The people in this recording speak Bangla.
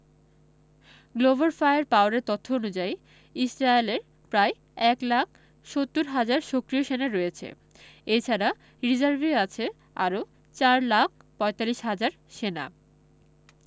গ্লোবাল ফায়ার পাওয়ারের তথ্য অনুযায়ী ইসরায়েলের প্রায় ১ লাখ ৭০ হাজার সক্রিয় সেনা রয়েছে এ ছাড়া রিজার্ভে আছে আরও ৪ লাখ ৪৫ হাজার সেনা